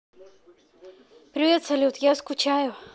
привет салют я скучаю